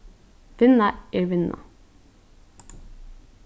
vinna er vinna